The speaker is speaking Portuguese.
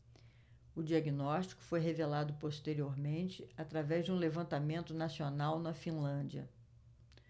o diagnóstico foi revelado posteriormente através de um levantamento nacional na finlândia